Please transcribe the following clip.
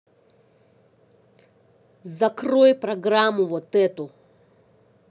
закрой программу вот эту